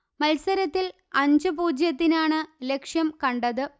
മത്സരത്തിൽ അഞ്ച് പൂജ്യത്തിനാണ് ലക്ഷ്യം കണ്ടത്